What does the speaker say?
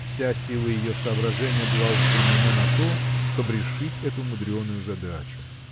вся сила ее соображения была устремлена на то чтоб решить эту мудреную задачу.